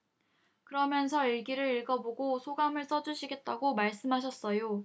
그러면서 일기를 읽어 보고 소감을 써 주시겠다고 말씀하셨어요